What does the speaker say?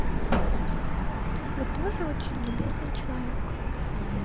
вы тоже очень любезный человек